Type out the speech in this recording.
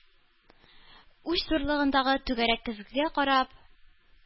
Уч зурлыгындагы түгәрәк көзгегә карап